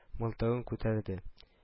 Мылтыгын күтәрде